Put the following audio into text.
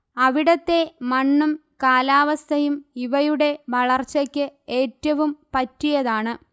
അവിടത്തെ മണ്ണും കാലാവസ്ഥയും ഇവയുടെ വളർച്ചയ്ക്ക് ഏറ്റവും പറ്റിയതാണ്